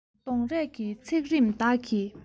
གདོང རས ཀྱི བརྩེགས རིམ བདག གིས